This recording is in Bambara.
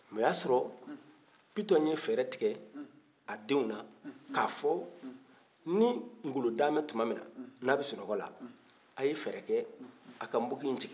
mɛ o y'a sɔrɔ bitɔn ye fɛɛrɛ tigɛ a denw na k'a fɔ ni ngolo dalen bɛ tuma min na ni a bɛ sunɔgɔ la a ye fɛɛrɛ a ka npogi tigɛ